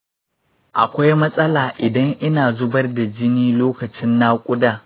akwai matsala idan ina zubar da jini lokacin naƙuda?